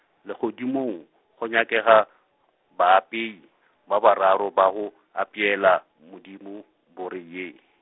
legodimong, go nyakega, baapei ba bararo ba go apeela, Modimo, bore ye.